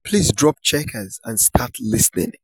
Please drop Chequers and start listening.'